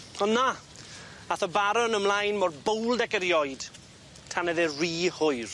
On' na ath y barwn yn ymlaen mor bowld ac erioed tan o'dd e ry hwyr.